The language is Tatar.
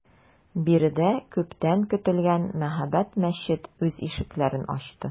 Биредә күптән көтелгән мәһабәт мәчет үз ишекләрен ачты.